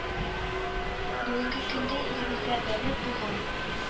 Бүгенге көндә илебездә балигъ булган